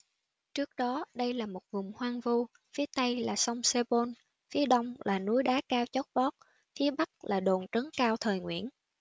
trước đó đây là một vùng hoang vu phía tây là sông sê pôn phía đông là núi đá cao chót vót phía bắc là đồn trấn cao thời nguyễn